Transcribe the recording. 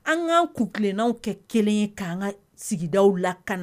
An kanan ku tilenna kɛ kelen ye kaan ka sigida lak